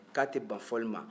k'a tɛ ban fɔli ma